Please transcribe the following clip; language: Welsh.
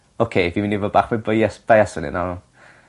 Oce fi myn' i fod mwy bias bias fan 'yn a